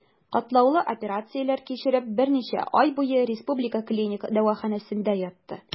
Катлаулы операцияләр кичереп, берничә ай буе Республика клиник дәваханәсендә ятты.